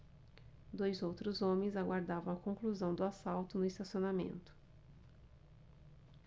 dois outros homens aguardavam a conclusão do assalto no estacionamento